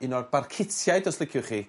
un o'r barcutiaid os liciwch chi